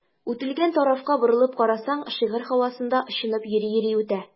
Үтелгән тарафка борылып карасаң, шигырь һавасында очынып йөри-йөри үтә.